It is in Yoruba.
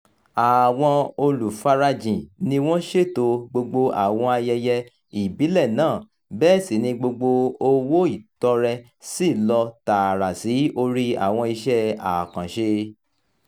Àwọn olùfarajìn ni wọ́n ṣẹ̀tò gbogbo àwọn ayẹyẹ ìbílẹ̀ náà bẹ́ẹ̀ sì ni gbogbo owó ìtọrẹ sí lọ tààrà sí orí àwọn iṣẹ́ àkànṣe.